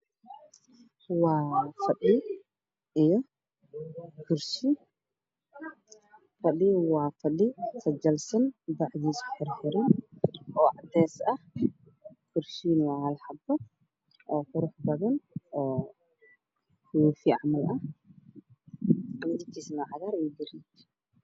Ha ii muuqda saddex baa oo xiran oo sajalan iyo kursi lagu fariisto oo qurux badan waxaa ag yaalla wax rifan oo suuf ah iyo kartaan